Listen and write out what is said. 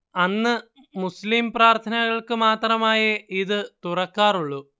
അന്ന് മുസ്ലിം പ്രാർത്ഥനകൾക്ക് മാത്രമായേ ഇത് തുറക്കാറുള്ളൂ